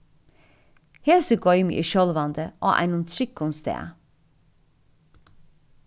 hesi goymi eg sjálvandi á einum tryggum stað